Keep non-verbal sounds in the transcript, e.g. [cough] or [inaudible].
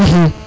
[hesitation]